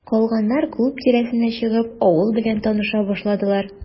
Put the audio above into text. Калганнар, клуб тирәсенә чыгып, авыл белән таныша башладылар.